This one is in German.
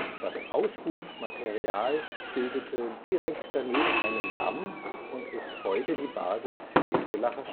Das Aushubmaterial bildete direkt daneben einen Damm und ist heute die Basis für die Villacher